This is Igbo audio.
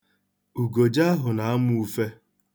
Ugoja ahụ na-amụ ufe.